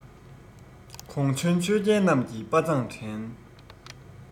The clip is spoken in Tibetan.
གོང བྱོན ཆོས རྒྱལ རྣམས ཀྱིས དཔའ མཛངས དྲན